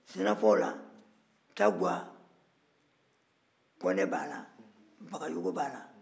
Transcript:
sinafɔw la taguwa kɔnɛ b'a la bagayɔgɔ b'a la